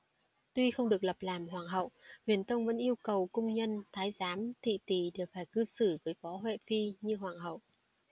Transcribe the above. tuy không được lập làm hoàng hậu huyền tông vẫn yêu cầu cung nhân thái giám thị tỳ đều phải cư xử với võ huệ phi như hoàng hậu